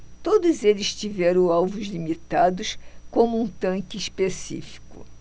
todos eles tiveram alvos limitados como um tanque específico